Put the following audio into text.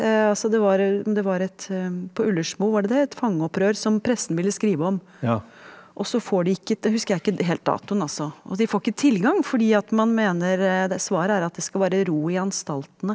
altså det var om det var et på Ullersmo var det det et fangopprør som pressen ville skrive om også får de ikke husker jeg ikke helt datoen altså og de får ikke tilgang fordi at man mener svaret er det at det skal være ro i anstaltene.